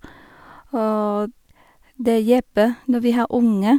Og det hjelper når vi har unger.